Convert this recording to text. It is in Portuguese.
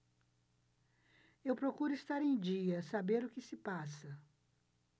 eu procuro estar em dia saber o que se passa